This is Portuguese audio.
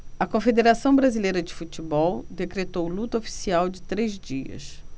a confederação brasileira de futebol decretou luto oficial de três dias